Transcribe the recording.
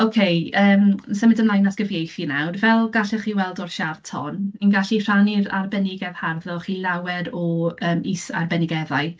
Ok, yym symud ymlaen at gyfieithu nawr. Fel gallwch chi weld o'r siart hon, ni'n gallu rhannu'r arbenigedd harddwch i lawer o, yym, is-arbenigeddau.